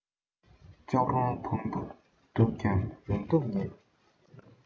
ལྕོག རོང བོང བུ སྡུག ཀྱང རང སྡུག རེད